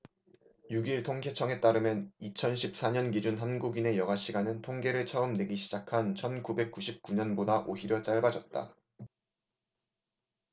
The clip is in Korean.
육 일 통계청에 따르면 이천 십 사 년 기준 한국인의 여가 시간은 통계를 처음 내기 시작한 천 구백 구십 구 년보다 오히려 짧아졌다